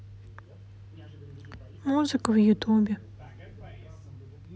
музыка в ютубе